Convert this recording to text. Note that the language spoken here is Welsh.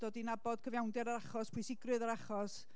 dod i nabod cyfiawnder yr achos, pwysigrwydd yr achos